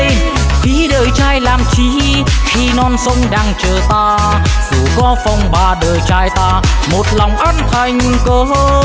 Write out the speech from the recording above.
phí đời trai làm chi khi non sông đang chờ ta dù có phong ba đời ta một lòng ắt thành công